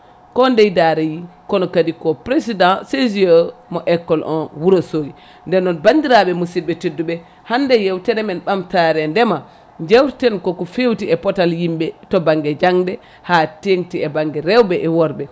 ko ndey daara yi kono kadi président CJE mo école 1 Wourossogui nden noon bandiraɓe musidɓe tedduɓe hande yewtere men ɓamtare ndeema jewte ten koko fewti e banggal potal yimɓe to banggue jangde ha tengti e banggue rewɓe e worɓe